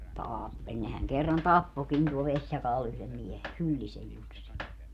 tappeli nehän kerran tappoikin tuolla Vesijakaalla yhden miehen Hyllisen Jussin